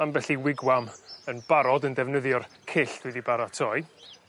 ambell i wigwam yn barod yn defnyddio'r cyll dwi 'di baratoi.